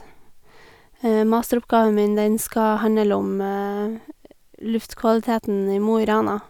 Masteroppgaven min, den skal handle om luftkvaliteten i Mo i Rana.